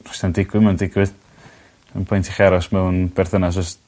os 'di o'n digwydd ma'n digwydd. Dim pwynt i chi aros mewn berthynas os